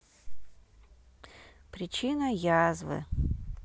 причина язвы